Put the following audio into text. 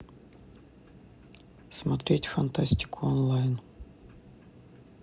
смотреть фантастику онлайн